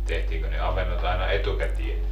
tehtiinkö ne avannot aina etukäteen